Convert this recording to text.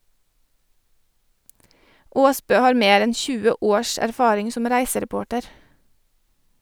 Aasbø har mer enn 20 års erfaring som reisereporter.